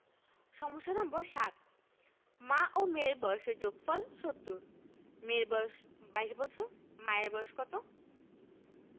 সমস্যা নম্বর ৭ মা ও মেয়ের বয়সের যোগফল ৭০ মেয়ের বয়স ২২ বছর মায়ের বয়স কত